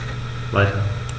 Weiter.